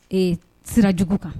Ee sira jugu kan